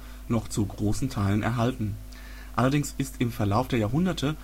Teilen erhalten. Allerdings ist im Verlauf der Jahrhunderte